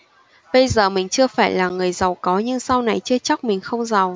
bây giờ mình chưa phải là người giàu có nhưng sau này chưa chắc mình không giàu